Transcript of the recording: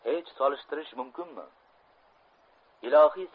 hech solishtirish mumkinmi